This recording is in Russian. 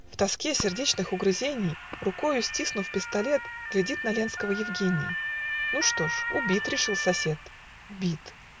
В тоске сердечных угрызений, Рукою стиснув пистолет, Глядит на Ленского Евгений. "Ну, что ж? убит", - решил сосед. Убит!.